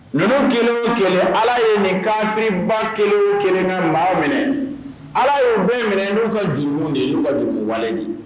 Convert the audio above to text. Ninnu kelen kelen ala ye nin kaba kelen kelen ka maaw minɛ ala y'o bɛɛ minɛ n'u ka di de n'u ka dugu wale de